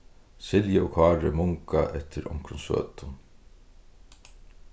silja og kári munga eftir onkrum søtum